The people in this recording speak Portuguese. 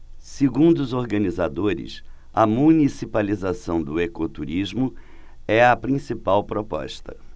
segundo os organizadores a municipalização do ecoturismo é a principal proposta